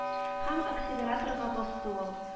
Һәм акселераторга басты ул